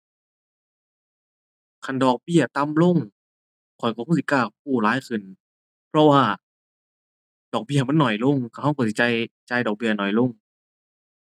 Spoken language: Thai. คันดอกเบี้ยต่ำลง ข้อยก็คงสิกล้ากู้หลายขึ้น เพราะว่าดอกเบี้ยมันน้อยลง ก็ก็ก็สิจ่าย จ่ายดอกเบี้ยน้อยลง